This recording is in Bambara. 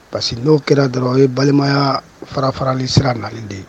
Parce que n'o kɛra dɔrɔn o ye balimaya fara farali sira nalen de ye